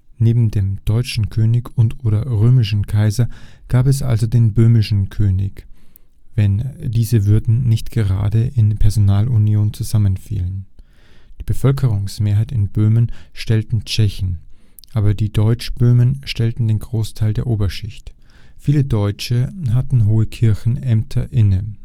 Neben dem Deutschen König und/oder „ Römischen “Kaiser gab es also den Böhmischen König, wenn diese Würden nicht gerade in Personalunion zusammenfielen. Die Bevölkerungsmehrheit in Böhmen waren Tschechen, aber die Deutschböhmen stellten den Großteil der Oberschicht. Viele Deutsche hatten hohe Kirchenämter inne